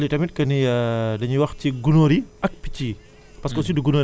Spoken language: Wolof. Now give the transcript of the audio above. may fàttali tamit que ni dañuy wax ci gunóor yi ak picc yi